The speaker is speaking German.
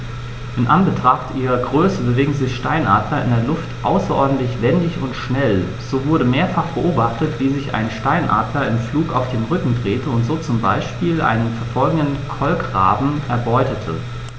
In Anbetracht ihrer Größe bewegen sich Steinadler in der Luft außerordentlich wendig und schnell, so wurde mehrfach beobachtet, wie sich ein Steinadler im Flug auf den Rücken drehte und so zum Beispiel einen verfolgenden Kolkraben erbeutete.